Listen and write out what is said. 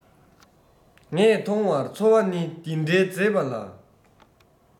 ངས མཐོང བར འཚོ བ ནི འདི འདྲའི འཛེས པ ལ